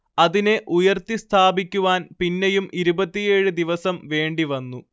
അതിനെ ഉയർത്തി സ്ഥാപിക്കുവാൻ പിന്നെയും ഇരുപത്തിയേഴ് ദിവസം വേണ്ടിവന്നു